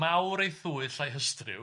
'Mawr yw ei thwyll a'i hystryw'.